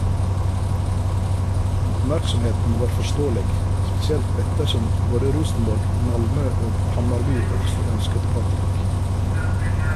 Oppmerksomheten var forståelig , spesielt ettersom både Rosenborg, Malmö og Hammarby også ønsket Patrik.